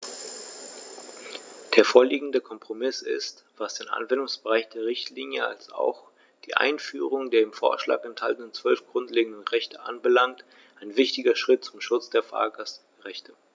Der vorliegende Kompromiss ist, was den Anwendungsbereich der Richtlinie als auch die Einführung der im Vorschlag enthaltenen 12 grundlegenden Rechte anbelangt, ein wichtiger Schritt zum Schutz der Fahrgastrechte.